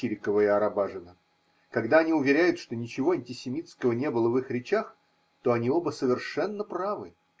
Чирикова и Арабажина: когда они уверяют, что ничего антисемитского не было в их речах, то они оба совершенно правы.